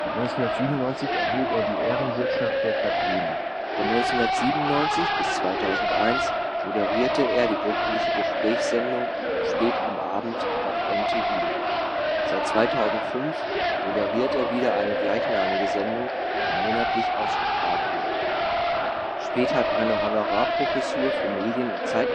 1997 erhielt er die Ehrenbürgerschaft der Stadt Jena. Von 1997 bis 2001 moderierte er die wöchentliche Gesprächssendung Späth am Abend auf n-tv. Seit 2005 moderiert er wieder eine gleichnamige Sendung, die monatlich ausgestrahlt wird. Späth hat eine Honorarprofessur für Medien und Zeitdiagnostik an der